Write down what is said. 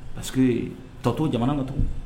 Parce tɔtɔ jamana natɔ